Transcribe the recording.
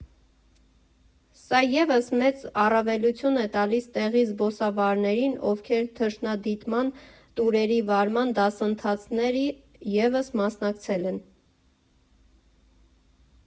Սա ևս մեծ առավելություն է տալիս տեղի զբոսավարներին, ովքեր թռչնադիտման տուրերի վարման դասընթացների ևս մասնակցել են։